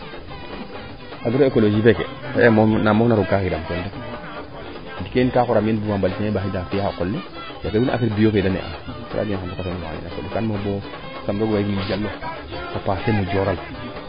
agroecologie feeke na mofum roog kaa xiiraam teen ka xoraam ye i mbuf na mbait ne ɓaxiida qol le affaire bio fee de ne'a kam fog'u fo wiin Djalo a panale Dioral